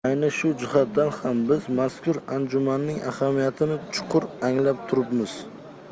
ayni shu jihatdan ham biz mazkur anjumanning ahamiyatini chuqur anglab turibmiz